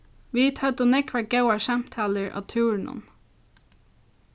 vit høvdu nógvar góðar samtalur á túrinum